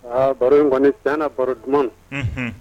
Aa baro in kɔniɔni tɛ baro tuma